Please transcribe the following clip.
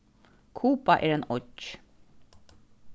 kuba er ein oyggj